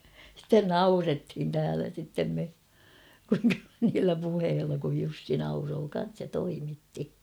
sitten naurettiin täällä sitten me niillä puheilla kun Jussi nauroi kanssa ja toimitti